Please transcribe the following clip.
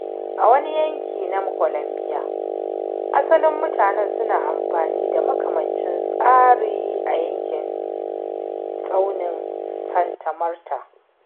A wani yanki na Colombia, asalin mutanen suna amfana da makamancin tsarin a yankin tsaunin Santa Marta.